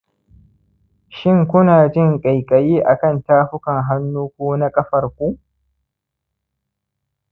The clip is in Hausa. shin ku na jin ƙaiƙayi akan tafukan-hannu ko na ƙafarku